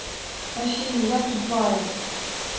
афина я тупая